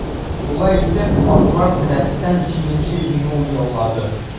Шулай итеп, "Ак Барс" рәттән җиденче җиңү яулады.